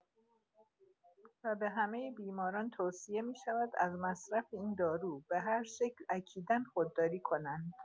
و به همه بیماران توصیه می‌شود از مصرف این دارو به هر شکل اکیدا خودداری کنند.